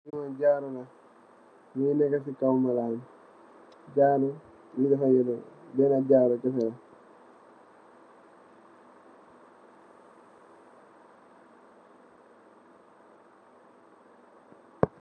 Li jaaru la mogi neka si kaw malan jaaru boi defar jigeen bena jaaru keseh la.